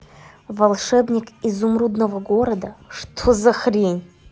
волшебник изумрудного города что за хрень